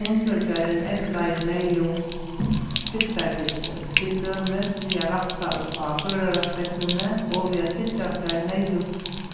umsøkjarin eygleiðir neyðug trygdartiltøk til dømis við at rætta upp á føraraspeglini og við at tryggja sær neyðugt